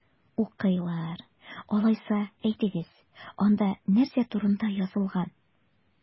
Укыйлар! Алайса, әйтегез, анда нәрсә турында язылган?